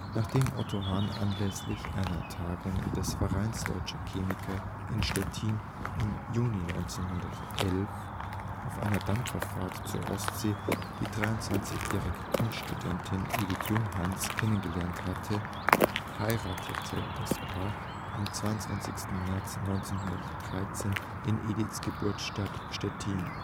Nachdem Otto Hahn anlässlich einer Tagung des Vereins Deutscher Chemiker in Stettin im Juni 1911 auf einer Dampferfahrt zur Ostsee die 23-jährige Kunststudentin Edith Junghans kennengelernt hatte, heiratete das Paar am 22. März 1913 in Ediths Geburtsstadt Stettin